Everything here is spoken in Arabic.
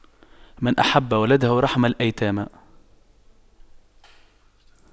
من أحب ولده رحم الأيتام